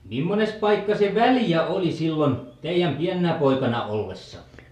mimmoinen paikka se Väljä oli silloin teidän pienenä poikana ollessa